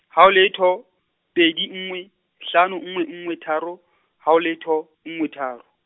haho letho, pedi nngwe, hlano nngwe nngwe tharo, haho letho, nngwe tharo.